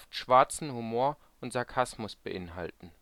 schwarzen Humor und Sarkasmus beinhalten